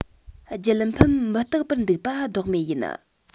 རྒྱལ ཕམ མི རྟག པར འདུག པ ལྡོག མེད ཡིན